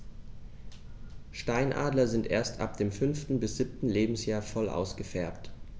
Steinadler sind erst ab dem 5. bis 7. Lebensjahr voll ausgefärbt.